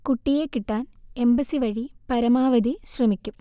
കുട്ടിയെ കിട്ടാൻ എംബസി വഴി പരമാവധി ശ്രമിക്കും